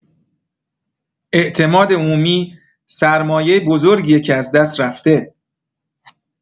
اعتماد عمومی سرمایه بزرگیه که از دست رفته.